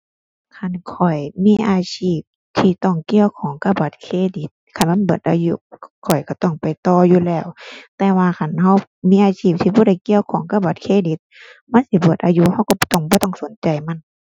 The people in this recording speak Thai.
คันข้อยมีอาชีพที่ต้องเกี่ยวข้องกับบัตรเครดิต คันมันเบิดอายุข้อยก็ต้องไปต่ออยู่แล้ว แต่ว่าคันก็มีอาชีพที่บ่ได้เกี่ยวข้องกับบัตรเครดิต มันสิเบิดอายุก็ก็บ่ต้อง บ่ต้องสนใจมัน